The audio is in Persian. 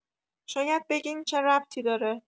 شاید بگین چه ربطی داره